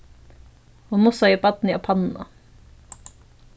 hon mussaði barnið á pannuna